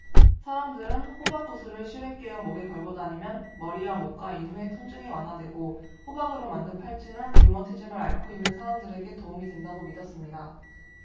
사람들은 호박 구슬을 실에 꿰어 목에 걸고 다니면 머리와 목과 인후의 통증이 완화되고 호박으로 만든 팔찌는 류머티즘을 앓고 있는 사람들에게 도움이 된다고 믿었습니다